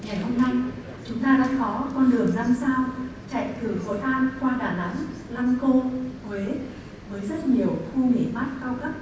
ngày hôm nay chúng ta đã có con đường năm sao chạy thử hội an qua đà nẵng lăng cô huế với rất nhiều khu nghỉ mát cao cấp